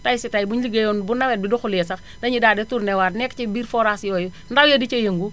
tay si tay buñu ligéeyoon bu nawet bi doxulee sax dañuy daal de turnewaat nekk ci biir forage yooyu ndaw ya di ca yëngu